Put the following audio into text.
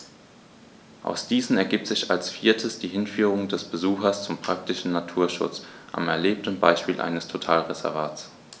Aus diesen ergibt sich als viertes die Hinführung des Besuchers zum praktischen Naturschutz am erlebten Beispiel eines Totalreservats.